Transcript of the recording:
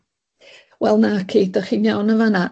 Wel naci, 'dych chi'n iawn yn fan 'na.